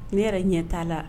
Ne yɛrɛ ɲɛ t'a la